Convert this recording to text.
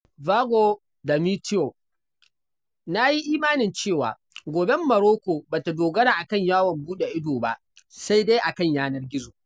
Vago Damitio:] Na yi imanin cewa, goben Morocco ba ta dogara a kan yawon buɗe ido ba sai dai a kan yanar gizo.